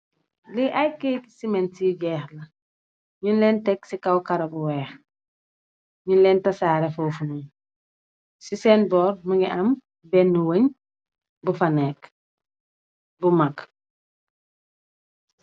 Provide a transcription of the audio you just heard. Li aye kayti cement you jeck lang nyoung len tek ci kaw karro bou weck nyoung len tassarreh fofu ci cen borr mougui am bene weng bou fa neh bou makk